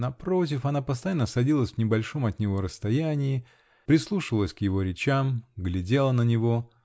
напротив, она постоянно садилась в небольшом от него расстоянии, прислушивалась к его речам, глядела на него